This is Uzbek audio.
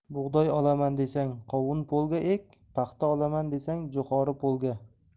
bug'doy olaman desang qovun polga ek paxta olaman desang jo'xori polga